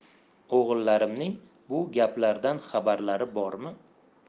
o'g'illarimning bu gaplardan xabarlari bormi